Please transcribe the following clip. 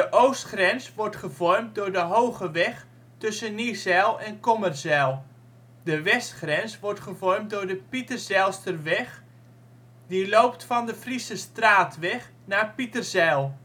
oostgrens wordt gevormd door de ' Hogeweg ' tussen Niezijl en Kommerzijl. De westgrens wordt gevormd door de ' Pieterzijlsterweg ' die loopt van de Friesestraatweg naar Pieterzijl